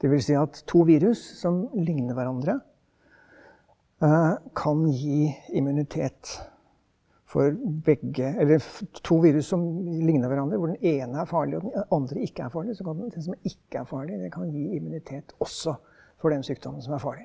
dvs. at to virus som ligner hverandre kan gi immunitet for begge, eller to virus som ligner hverandre hvor den ene er farlig og den andre ikke er farlig så kan nok den som ikke er farlig det kan gi immunitet også for den sykdommen som er farlig.